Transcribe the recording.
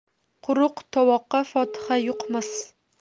quruq tovoqqa fotiha yuqmas